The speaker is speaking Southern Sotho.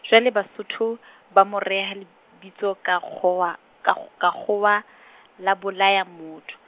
jwale Basotho ba mo reha lebitso ka kgowa, ka kg-, ka kgowa , la bolaya motho.